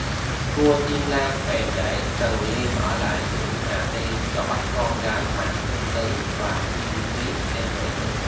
vua tiêm la bèn để trần liên ở lại giữ hà tiên rồi bắt con gái mạc thiên tứ và chiêu thúy đem về nước